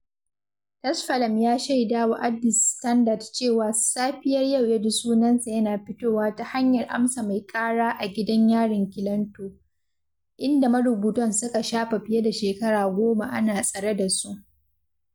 Tesfalem ya shaida wa Addis Standard cewa safiyar yau ya ji sunansa yana fitowa ta hanyar amsa mai ƙara a gidan yarin Kilinto, inda marubutan suka shafe fiye da shekara guda ana tsare da su.